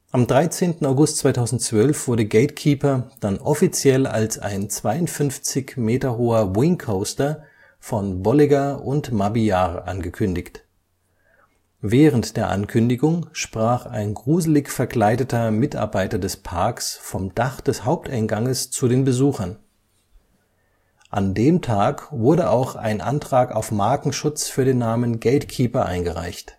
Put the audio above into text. Am 13. August 2012 wurde GateKeeper dann offiziell als ein 52 Meter hoher Wing Coaster von Bolliger & Mabillard angekündigt. Während der Ankündigung sprach ein gruselig verkleideter Mitarbeiter des Parks vom Dach des Haupteinganges zu den Besuchern. An dem Tag wurde auch ein Antrag auf Markenschutz für den Namen GateKeeper eingereicht